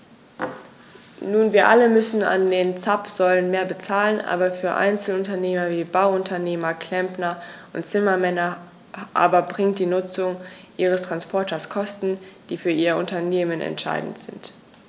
Nun wir alle müssen an den Zapfsäulen mehr bezahlen, aber für Einzelunternehmer wie Bauunternehmer, Klempner und Zimmermänner aber birgt die Nutzung ihres Transporters Kosten, die für ihr Unternehmen entscheidend sind.